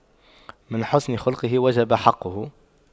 من حسن خُلقُه وجب حقُّه